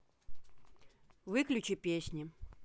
выключи песни